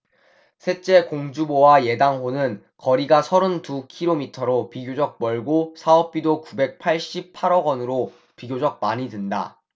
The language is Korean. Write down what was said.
셋째 공주보와 예당호는 거리가 서른 두 키로미터로 비교적 멀고 사업비도 구백 팔십 팔 억원으로 비교적 많이 든다